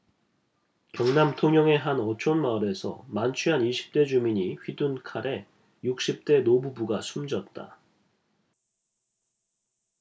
경남 통영의 한 어촌마을에서 만취한 이십 대 주민이 휘둔 칼에 육십 대 노부부가 숨졌다